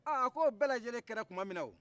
aa a k'o bɛɛ lajɛlen kɛra tuma min na wo